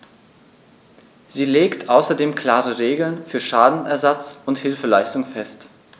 Sie legt außerdem klare Regeln für Schadenersatz und Hilfeleistung fest.